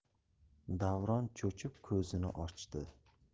davron cho'chib ko'zini ochdi